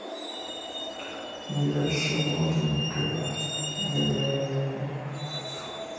ну я еще маленькая я не умею это делать